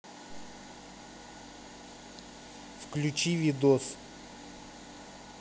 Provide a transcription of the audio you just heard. включи видос